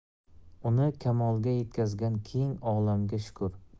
uni kamolga yetkazgan keng olamga shukur